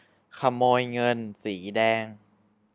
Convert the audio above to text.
ขโมยเงินสีแดง